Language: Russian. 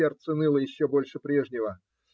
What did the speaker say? Сердце ныло еще больше прежнего.